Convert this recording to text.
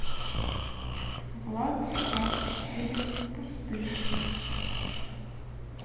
влад а четыре пустые